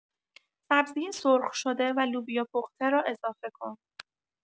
سبزی سرخ‌شده و لوبیا پخته را اضافه کن.